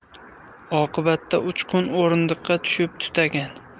oqibatda uchqun o'rindiqqa tushib tutagan